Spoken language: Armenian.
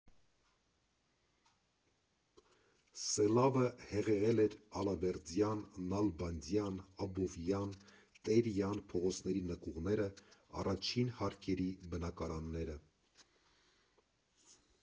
Սելավը հեղեղել էր Ալավերդյան, Նալբանդյան, Աբովյան, Տերյան փողոցների նկուղները, առաջին հարկերի բնակարանները։